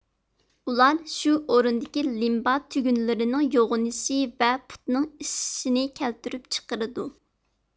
ئۇلار شۇ ئورۇندىكى لىمبا تۈگۈنلىرىنىڭ يوغىنىشى ۋە پۇتنىڭ ئىششىشىنى كەلتۈرۈپ چىقىرىدۇ